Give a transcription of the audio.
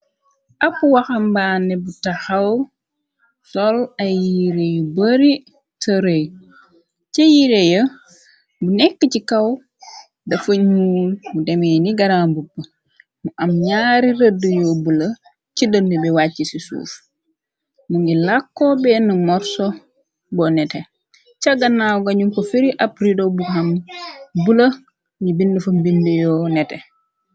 Ap waxambaane bu taxaw sol ay yire yu bari tërëy ca yire ya bu nekk ci kaw dafa ñu mu demee ni garaambupp mu am ñaari rëdd yoo bula ci dënn bi wàcc ci suuf mu ngi làkkoo benn morso boo nete càganaaw gañu ko firi ab rido bu am bula ñi bindfa mbind yoo nete.